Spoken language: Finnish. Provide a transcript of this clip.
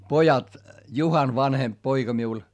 pojat Juhan vanhempi poika minulla